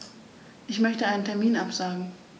Ich möchte einen Termin absagen.